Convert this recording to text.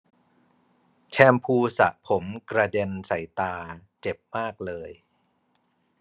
แชมพูสระผมกระเด็นใส่ตาเจ็บมากเลย